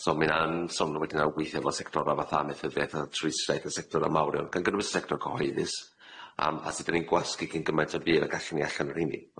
So ma' hwnna'n sownd wedyn aw- weithie fel sectora fatha amaethyddiaeth o trwistraith y sector o mawrion gan gynwys y sector cyhoeddus yym a sud 'da ni'n gwasgu cyn gymaint o bur ag allan ni allan o rheini.